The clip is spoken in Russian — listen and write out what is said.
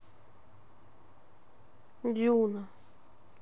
дюна